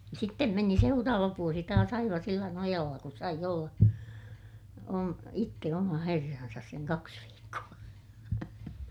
sitten meni seuraava vuosi taas aivan sillä nojalla kun sai olla - itse oma herransa sen kaksi viikkoa